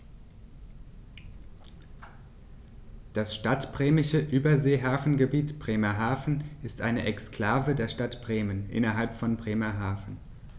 Das Stadtbremische Überseehafengebiet Bremerhaven ist eine Exklave der Stadt Bremen innerhalb von Bremerhaven.